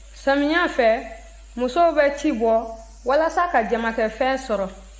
samiyɛ fɛ musow bɛ ci bɔ walasa ka jamakɛfɛn sɔrɔ